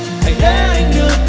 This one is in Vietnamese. hãy để anh